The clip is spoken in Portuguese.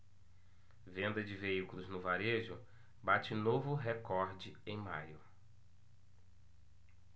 venda de veículos no varejo bate novo recorde em maio